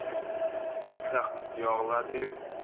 yuzta qiz yog'iladi yu